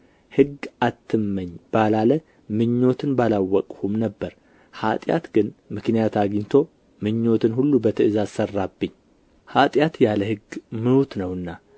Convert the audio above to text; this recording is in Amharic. ሕጉ አትመኝ ባላለ ምኞትን ባላወቅሁም ነበርና ኃጢአት ግን ምክንያት አግኝቶ ምኞትን ሁሉ በትእዛዝ ሠራብኝ ኃጢአት ያለ ሕግ ምውት ነውና